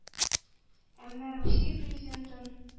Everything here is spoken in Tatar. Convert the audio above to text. Ә менә русия президентын